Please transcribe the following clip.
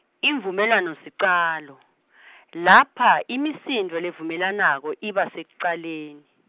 Imvumelwanosicalo , lapha, imisindvo levumelanako, iba sekucaleni.